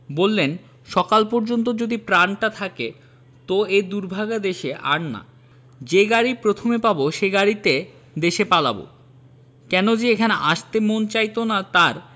বললেন সকাল পর্যন্ত যদি প্রাণটা থাকে ত এ দুর্ভাগা দেশে আর না যে গাড়ি প্রথমে পাব সেই গাড়িতে দেশে পালাব কেন যে এখানে আসতে মন চাইত না তার